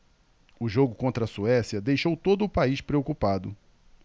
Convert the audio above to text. o jogo contra a suécia deixou todo o país preocupado